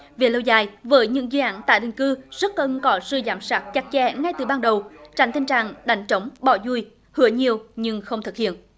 về lâu dài với những dự án tái định cư rất cần có sự giám sát chặt chẽ ngay từ ban đầu tránh tình trạng đánh trống bỏ dùi hứa nhiều nhưng không thực hiện